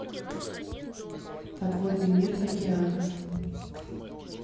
подводный мир океанов